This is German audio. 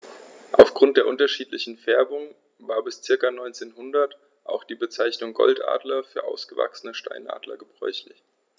Auf Grund der unterschiedlichen Färbung war bis ca. 1900 auch die Bezeichnung Goldadler für ausgewachsene Steinadler gebräuchlich.